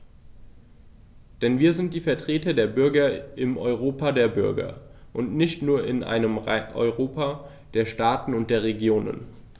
Denn wir sind die Vertreter der Bürger im Europa der Bürger und nicht nur in einem Europa der Staaten und der Regionen.